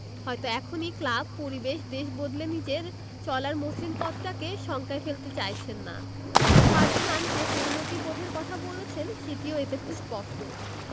হয়তো এখনই ক্লাব পরিবেশ দেশ বদলে নিজের চলার মসৃণ পথটাকে শঙ্কায় ফেলতে চাইছেন না ফার্ডিনান্ড যে পরিণতিবোধের কথা বলেছেন সেটিও এতে স্পষ্ট